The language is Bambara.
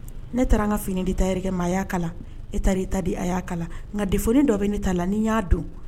Ne taara an ka fini di ta yɛrɛ kɛ maaya kala e taara i ta di a kala nka de dɔ bɛ ne ta la ni y'a don